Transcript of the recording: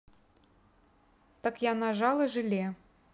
так я нажала желе